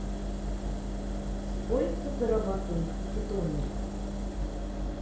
сколько зарабатывает пятитонник